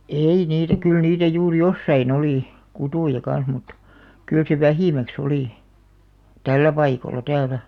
ei niitä kyllä niitä juuri jossakin oli kuttuja kanssa mutta kyllä se vähimmäksi oli tällä paikalla täällä